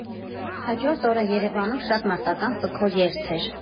Հաջորդ օրը Երևանում շատ մարտական «սգո երթ» էր։